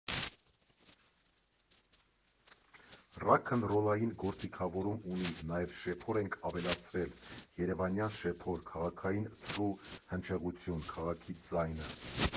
Ռաքնռոլային գործիքավորում ունի, նաև շեփոր ենք ավելացրել՝ երևանյան շեփոր, քաղաքային թռու հնչեղություն, քաղաքի ձայնը։